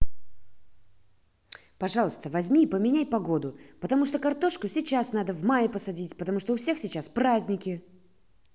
пожалуйста возьми и поменяй погоду потому что картошку сейчас надо в мае посадить потому что у всех сейчас праздники